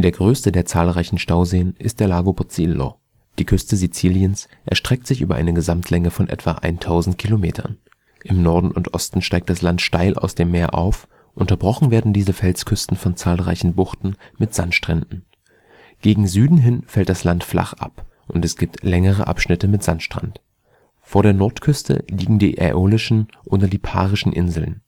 größte der zahlreichen Stauseen ist der Lago Pozzillo. Die Küste Siziliens erstreckt sich über eine Gesamtlänge von etwa 1000 km. Im Norden und Osten steigt das Land steil aus dem Meer auf. Unterbrochen werden diese Felsküsten von zahlreichen Buchten mit Sandstränden. Gegen Süden hin fällt das Land flach ab und es gibt längere Abschnitte mit Sandstrand. Vor der Nordküste liegen die Äolischen oder Liparischen Inseln